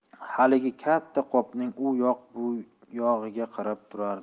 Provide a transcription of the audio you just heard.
haligi katta qopning u yoq bu yog'iga qarab turardi